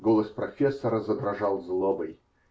Голос профессора задрожал злобой.